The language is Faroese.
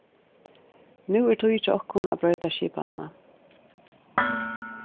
nú er tíð hjá okkum at broyta skipanina